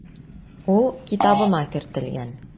Ул китабыма кертелгән.